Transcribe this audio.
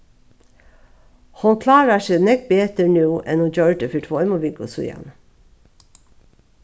hon klárar seg nógv betur nú enn hon gjørdi fyri tveimum vikum síðani